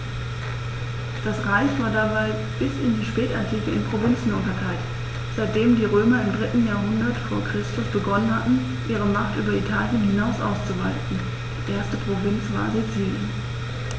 Das Reich war dabei bis in die Spätantike in Provinzen unterteilt, seitdem die Römer im 3. Jahrhundert vor Christus begonnen hatten, ihre Macht über Italien hinaus auszuweiten (die erste Provinz war Sizilien).